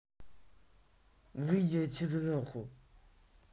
выйди отсюда нахуй